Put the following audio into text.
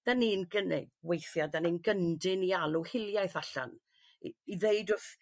'Dan ni'n gynni- weithia' 'dan ni'n gyndyn i alw hiliaeth allan i i ddeud w'th